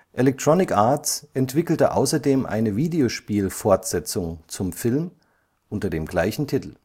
Electronic Arts entwickelte außerdem eine Videospiel-Fortsetzung zum Film unter dem gleichen Titel